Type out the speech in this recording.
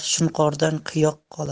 shunqordan qiyoq qolar